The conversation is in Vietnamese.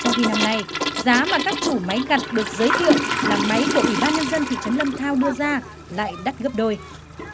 trong khi năm nay giá mà các chủ máy gặt được giới thiệu là máy của ủy ban nhân dân thị trấn lâm thao đưa ra lại đắt gấp đôi